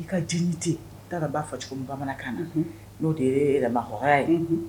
I ka di tɛ i taara ba facogo bamanankan na n'o de ye yɛrɛya ye